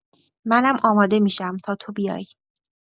منم آماده می‌شم تا تو بیای.